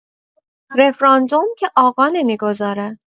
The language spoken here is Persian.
رفراندوم که آقا نمی‌گذاره